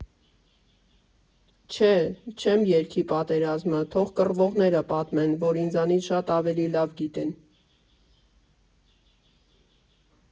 Չէ՛, չեմ երգի պատերազմը, թող կռվողները պատմեն, որ ինձանից շատ ավելի լավ գիտեն։